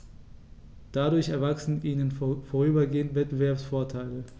Dadurch erwachsen ihnen vorübergehend Wettbewerbsvorteile.